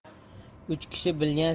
uch kishi bilgan